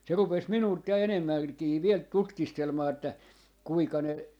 se rupesi minulta ja enemmänkin vielä tutkistelemaan että kuinka ne